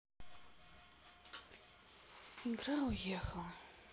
игра уехала